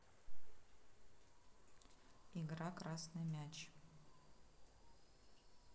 игра красный мяч